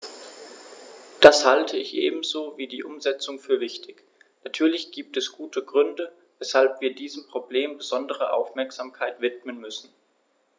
Das halte ich ebenso wie die Umsetzung für wichtig. Natürlich gibt es gute Gründe, weshalb wir diesem Problem besondere Aufmerksamkeit widmen müssen.